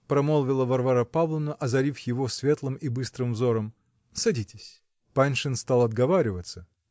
-- промолвила Варвара Павловна, озарив его светлым и быстрым взором. -- Садитесь. Паншин стал отговариваться.